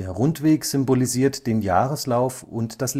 Rundweg symbolisiert den Jahreslauf und das